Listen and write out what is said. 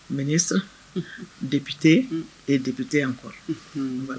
Ministre, Député et Député encore